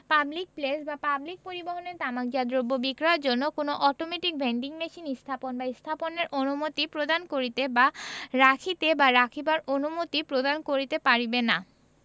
public place বা public পরিবহণে তামাকজাত দ্রব্য বিক্রয়ের জন্য কোন অটোমেটিক ভেন্ডিং মেশিন স্থাপন বা স্থাপনের অনুমতি প্রদান করিতে বা রাখিতে বা রাখিবার অনুমতি প্রদান করিতে পারিবে না